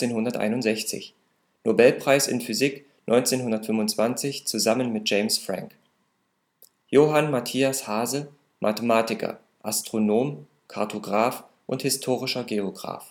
1961, Nobelpreis in Physik 1925 zusammen mit James Franck Johann Matthias Hase, Mathematiker, Astronom, Kartograph und historischer Geograph